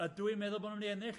Ydw i'n meddwl bo' nw myn' i ennill?